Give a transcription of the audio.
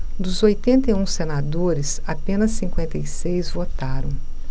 dos oitenta e um senadores apenas cinquenta e seis votaram